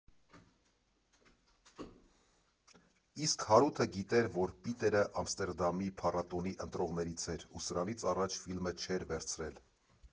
Իսկ Հարութը գիտեր, որ Պիտերը Ամստերդամի փառատոնի ընտրողներից էր ու սրանից առաջ ֆիլմը չէր վերցրել։